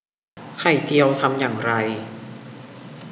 ไข่เจียวทำอย่างไร